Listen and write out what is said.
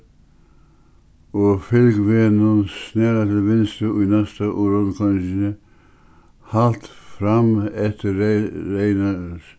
og fylg vegnum snara til vinstru í næstu rundkoyringini halt fram eftir